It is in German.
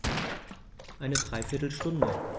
Eine dreiviertel Stunde